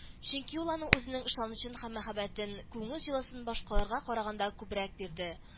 Чөнки ул аңа үзенең ышанычын һәм мәхәббәтен, күңел җылысын башкаларга караганда күбрәк бирде